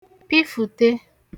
pifùte